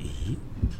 Ee